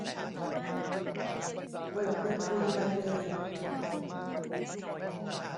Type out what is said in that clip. เปิดดนตรีบรรเลง